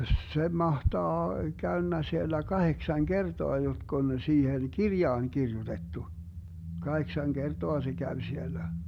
se mahtaa käynyt siellä kahdeksan kertaa jotka on siihen kirjaan kirjoitettu kahdeksan kertaa se kävi siellä